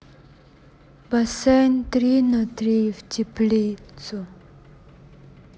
бассейн три на три в теплицу